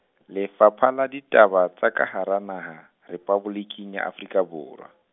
Lefapha la Ditaba, tsa ka Hara Naha, Rephaboliki ya Afrika Borwa.